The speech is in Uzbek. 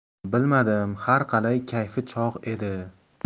bilmadim har qalay kayfi chog' edi